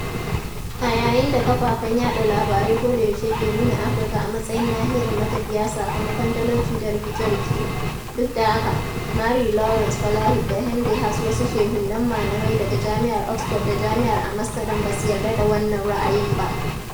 A yayin da kafafen yaɗa labarai ko da yaushe ke nuna Afirka a matsayin nahiyar matafiya sakamakon talauci da rikice-rikice, duk da haka, Marie-Laurence Flahauɗ da Hein De Haas, wasu shehunnan malamai daga Jami'ar Oxford da Jami'ar Amsterdam ba su yarda da wannan ra'ayin ba.